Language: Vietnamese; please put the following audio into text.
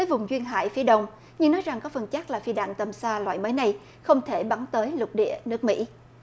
tới vùng duyên hải phía đông nhưng nói rằng có phần chắc là phi đạn tầm xa loại máy này không thể bắn tới lục địa nước mỹ